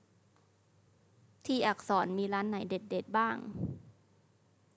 ที่อักษรมีร้านไหนเด็ดเด็ดบ้าง